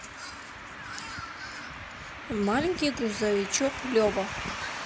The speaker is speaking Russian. маленький грузовичок лева